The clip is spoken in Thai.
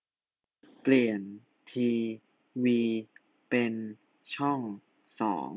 เปลี่ยนทีวีเป็นช่องสอง